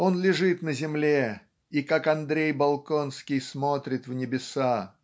Он лежит на земле и, как Андрей Болконский, смотрит в небеса